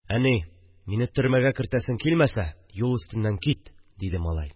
– әни, мине төрмәгә кертәсең килмәсә, юл өстемнән кит, – диде малай